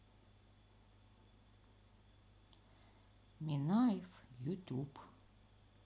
минаев ютуб